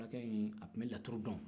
fulakɛ in a tun bɛ laturu dɔn